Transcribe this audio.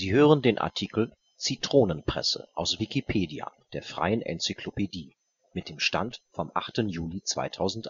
hören den Artikel Zitronenpresse, aus Wikipedia, der freien Enzyklopädie. Mit dem Stand vom